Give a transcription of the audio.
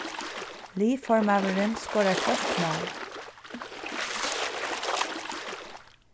liðformaðurin skorar flest mál